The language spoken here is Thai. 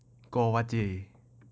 โกวาจี